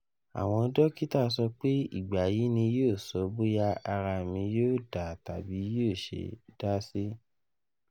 Awọn Dọkita sọ pe igba ni yoo sọ boya ara mi yoo da tabi bi yooṣe da si.